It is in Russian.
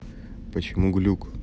почему глюк